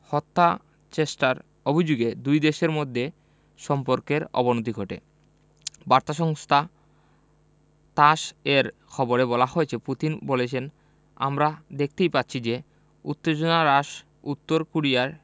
হত্যাচেষ্টার অভিযোগে দুই দেশের মধ্যে সম্পর্কের অবনতি ঘটে বার্তা সংস্থা তাস এর খবরে বলা হয়েছে পুতিন বলেছেন আমরা দেখতেই পাচ্ছি যে উত্তেজনা হ্রাসে উত্তর কোরীয়